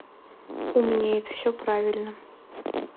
умнеет все правильно